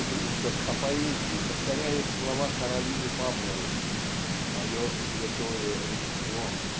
что Брюсов о поэзии повторяет слова Каролины Павловой "мое святое ремесло"